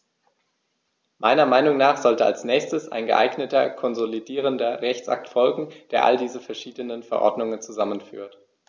Meiner Meinung nach sollte als nächstes ein geeigneter konsolidierender Rechtsakt folgen, der all diese verschiedenen Verordnungen zusammenführt.